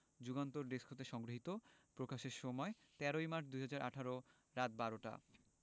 Jugantor desk হতে সংগৃহীত প্রকাশের সময় ১৩ মার্চ ২০১৮ রাত ১২:০০ টা